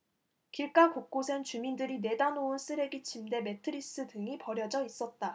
길가 곳곳엔 주민들이 내다 놓은 쓰레기 침대 매트리스 등이 버려져 있었다